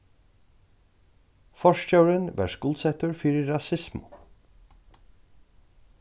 forstjórin varð skuldsettur fyri rasismu